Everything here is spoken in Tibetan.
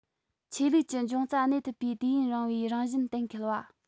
ཆོས ལུགས ཀྱི འབྱུང རྩ གནས ཐུབ པའི དུས ཡུན རིང བའི རང བཞིན གཏན ཁེལ བ